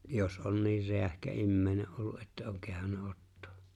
jos on niin räähkä ihminen ollut että on kehdannut ottaa